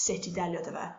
sut i delio 'dy fe?